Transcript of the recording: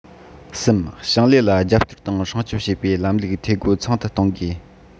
གསུམ ཞིང ལས ལ རྒྱབ སྐྱོར དང སྲུང སྐྱོང བྱེད པའི ལམ ལུགས འཐུས སྒོ ཚང དུ གཏོང དགོས